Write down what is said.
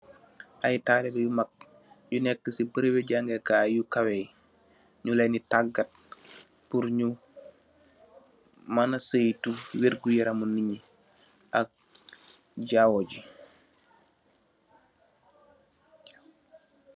Ay taalibeh yu maag yu neka ci berem bi jangeh kai u kaweh yi nyu leen di tagat pul nyu mana seitu weer guyaram mi nit yi ak jawaji.